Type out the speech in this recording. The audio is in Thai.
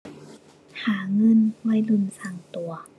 หาเงิน วัยรุ่นสร้างตัว